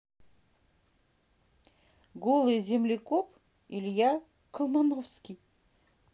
голый землекоп илья колмановский